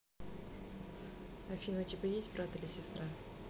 афина у тебя есть брат или сестра